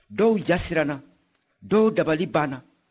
dɔ jasiranna dɔ dabali banna